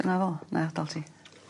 'Na fo. 'Nai adal ti.